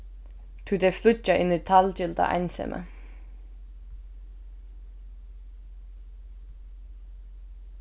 tí tey flýggja inn í talgilda einsemið